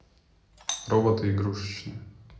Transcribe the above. роботы игрушечные